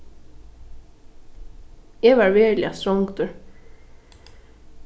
eg var veruliga strongdur